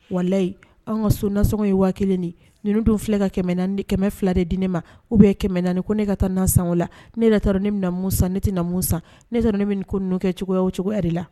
Walayi an ka so nasɔngɔ ye waa kelen de ninnu dun filɛ ka kɛmɛ naani ni kɛmɛ fila de di ne ma u bɛ naaniani ko ne ka taa na san la ne yɛrɛ taa ne na mun san ne tɛna na mun san ne ne min ko kɛ cogoya o cogoya yɛrɛ la